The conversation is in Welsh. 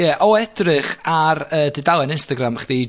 Ie, o edrych ar y dudalen Instagram chdi